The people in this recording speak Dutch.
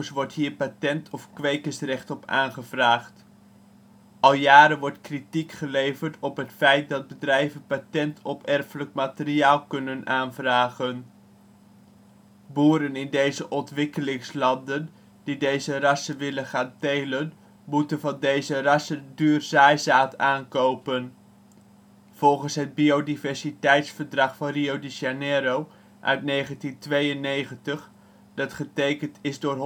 wordt hier patent of kwekersrecht op aangevraagd. Al jaren wordt kritiek geleverd op het feit dat bedrijven patent op erfelijk materiaal kunnen aanvragen. Boeren in deze ontwikkelingslanden, die deze rassen willen gaan telen moeten van deze rassen duur zaaizaad aankopen. Volgens het Biodiversiteitsverdrag van Rio de Janeiro uit 1992, dat getekend is door 187 landen